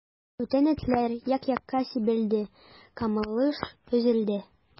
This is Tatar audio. Бүтән этләр як-якка сибелде, камалыш өзелде.